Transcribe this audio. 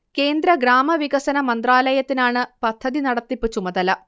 കേന്ദ്ര ഗ്രാമവികസന മന്ത്രാലയത്തിനാണ് പദ്ധതി നടത്തിപ്പ് ചുമതല